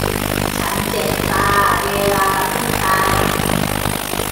ฉันเจ็บตาเวลากระพริบตา